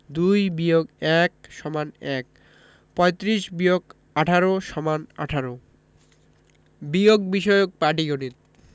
২ - ১ =১ ৩৫ – ১৮ = ১৮ বিয়োগ বিষয়ক পাটিগনিতঃ